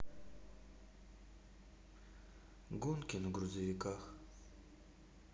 гонки на грузовиках